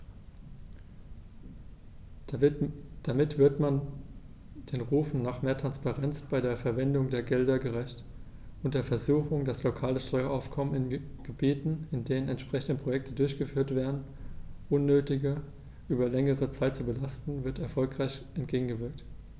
Damit wird man den Rufen nach mehr Transparenz bei der Verwendung der Gelder gerecht, und der Versuchung, das lokale Steueraufkommen in Gebieten, in denen entsprechende Projekte durchgeführt werden, unnötig über längere Zeit zu belasten, wird erfolgreich entgegengewirkt.